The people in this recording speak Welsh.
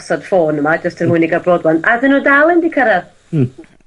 jyst er mwyn i ga'l broadband a 'dyn nw dal 'im 'di cyrradd. Hmm.